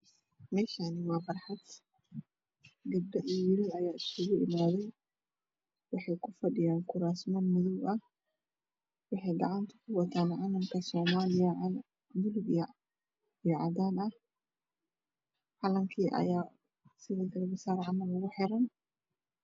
Meeshaani waa barxad gabdho iyo wiilal ayaa iskugu imaadey, waxay kufadhiyaan kuraasman madow ah, waxayna gacanta ku wataan calanka soomaaliya. Calan buluug iyo cadaan ah, calankii ayaa sidii garbo saar camal ugu xiran.